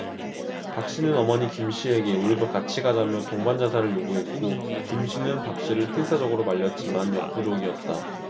박씨는 어머니 김씨에게 우리도 같이 가자며 동반 자살을 요구했고 김씨는 박씨를 필사적으로 말렸지만 역부족이었다